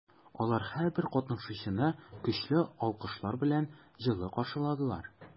Алар һәрбер катнашучыны көчле алкышлар белән җылы каршыладылар.